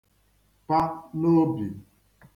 pa n'obì